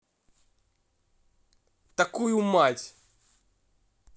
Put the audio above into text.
такую мать